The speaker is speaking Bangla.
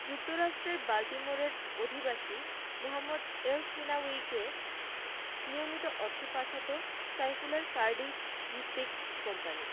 যুক্তরাষ্ট্রের বাল্টিমোরের অধিবাসী মোহাম্মদ এলসহিনাউয়িকে নিয়মিত অর্থ পাঠাত সাইফুলের কার্ডিফভিত্তিক কোম্পানি